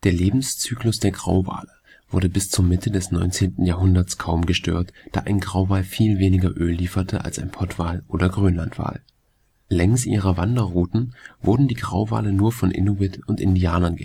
Lebenszyklus der Grauwale wurde bis zur Mitte des 19. Jahrhunderts kaum gestört, da ein Grauwal viel weniger Öl liefert als ein Pottwal oder Grönlandwal. Längs ihrer Wanderrouten wurden die Grauwale nur von Inuit und Indianern